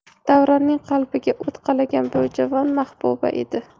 davronning qalbiga o't qalagan bu juvon mahbuba edi